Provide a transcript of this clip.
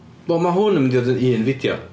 Wel, mae hwn yn mynd i fod yn un fideo.